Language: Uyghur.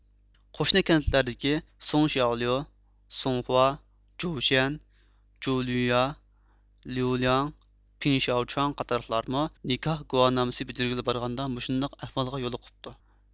قوشنا كەنتلەردىكى سۇڭشياۋليۇ سۇڭخۇا جوۋشەن جوۋلۈييا ليۇلياڭ پېڭ شياۋچۇاڭ قاتارلىقلارمۇ نىكاھ گۇۋاھنامىسى بېجىرگىلى بارغاندا مۇشۇنداق ئەھۋالغا يولۇقۇپتۇ